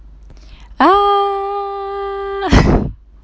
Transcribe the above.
а а а а а а а а а